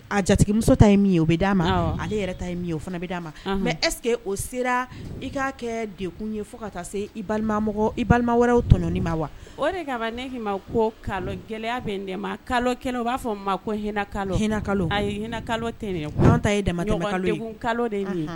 A jatigimuso ta ye min ye o bɛ d'a ma ale yɛrɛ ta ye min ye o fana bɛ d'a ma mɛ ɛsseke o sera i k'a kɛ dekun ye fo ka taa se i balimamɔgɔ i balima wɛrɛw tɔɔnɔni ma wa o de' ne k'i ma ko kalo gɛlɛyaya bɛ ma kalo kɛnɛ o b'a fɔ ma ko h a ye hinɛka ta